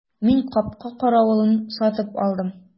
Мин капка каравылын сатып алдым.